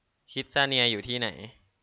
คิดส์ซาเนียอยู่ที่ไหน